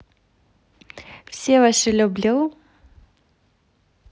все ваши люблю